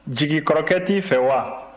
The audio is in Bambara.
jigi kɔrɔkɛ t'i fɛ wa